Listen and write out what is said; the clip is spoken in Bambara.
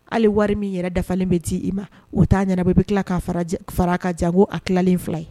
Hali wari min yɛrɛ bɛ di i ma o ta ɲɛnaanaba bɛ tila k'a fara ka jango a tilalen fila ye